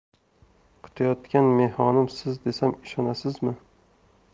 kutayotgan mehmonim siz desam ishonasizmi